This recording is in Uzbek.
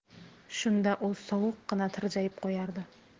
shunda u sovuqqina tirjayib qo'yardi